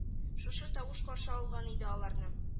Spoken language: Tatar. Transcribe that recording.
Шушы тавыш каршы алган иде аларны